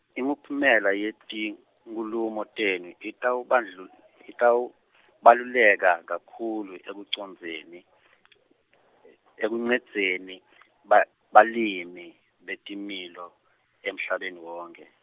imiphumela yetinkhulumo tenu titawubandlu- titawubaluleka kakhulu ekucondzeni , e- ekuncendzeni ba, balimi, betilimo, emhlabeni wonke.